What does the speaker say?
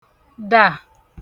dà